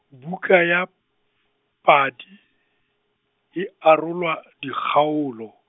buka ya, padi, e arolwa, dikgaolo.